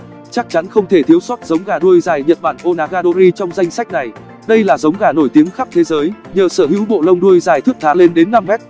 chắc chắn không thể thiếu sót giống gà đuôi dài nhật bản onagadori trong danh sách này đây là giống gà nổi tiếng khắp thế giới nhờ sở hữu bộ lông đuôi dài thướt tha lên đến m